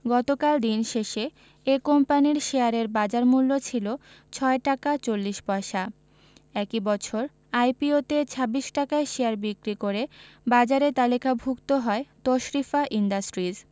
গতকাল দিন শেষে এ কোম্পানির শেয়ারের বাজারমূল্য ছিল ৬ টাকা ৪০ পয়সা একই বছর আইপিওতে ২৬ টাকায় শেয়ার বিক্রি করে বাজারে তালিকাভুক্ত হয় তশরিফা ইন্ডাস্ট্রিজ